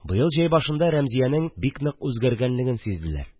Быел җәй башында Рәмзиянең бик нык үзгәргәнлеген сизделәр